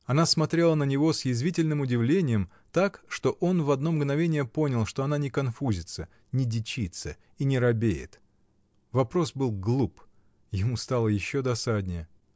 Она смотрела на него с язвительным удивлением, так, что он в одно мгновение понял, что она не конфузится, не дичится и не робеет. Вопрос был глуп. Ему стало еще досаднее.